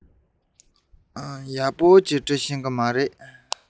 ཁོས ཡག པོ འབྲི ཤེས ཀྱི མིན འདུག